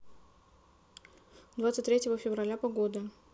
двадцать третьего февраля погода